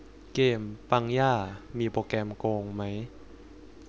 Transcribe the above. เกมปังย่ามีโปรแกรมโกงไหม